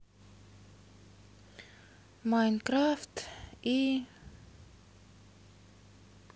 майнкрафт и